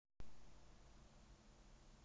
привет цой